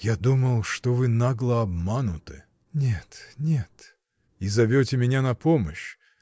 — Я думал, что вы нагло обмануты. — Нет, нет. — И зовете меня на помощь